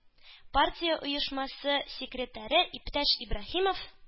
Партия оешмасы секретаре иптәш Ибраһимов